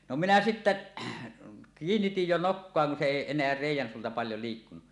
no minä sitten kiinnitin jo nokkaa kun se ei enää reiän suulta paljon liikkunut